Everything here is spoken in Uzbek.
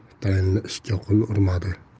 tayinli ishga qo'l urmadi